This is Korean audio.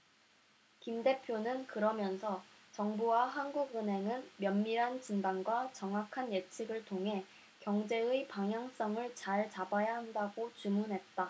김 대표는 그러면서 정부와 한국은행은 면밀한 진단과 정확한 예측을 통해 경제의 방향성을 잘 잡아야 한다고 주문했다